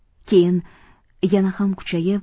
keyin yana ham kuchayib